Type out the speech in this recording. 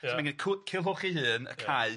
Ia. so ma gy' ni Cw- Culhwch ei hun, A Cai.